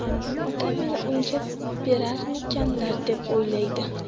otam meni unga berarmikinlar deb o'ylaydi